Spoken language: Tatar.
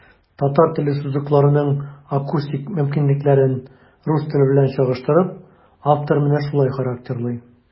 Татар теле сузыкларының акустик мөмкинлекләрен, рус теле белән чагыштырып, автор менә шулай характерлый.